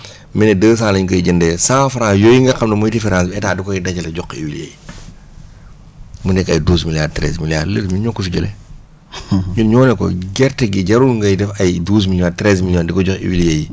mu ne deux cent lañ koy jëndee cent franc yooyu nga xam ne mooy différence bi état da koy dajale jox ko huiliers yi mu nekk ay douze milliards treize milliards loolu ñun ñoo ko fi jëlee ñun ñoo ne ko gerte gi jarul ngay def ay douze millions treize millions di ko jox huiliers yi